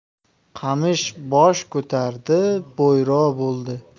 qamish bosh ko'tardi bo'yro bo'ldi